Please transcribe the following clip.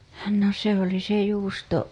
no se oli se juusto